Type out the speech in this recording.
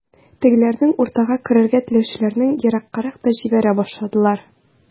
Тегеләрнең уртага керергә теләүчеләрен ераккарак та җибәрә башладылар.